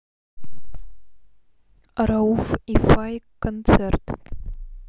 рауф и фаик концерт